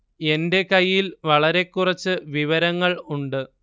എന്റെ കയ്യിൽ വളരെ കുറച്ച് വിവരങ്ങൾ ഉണ്ട്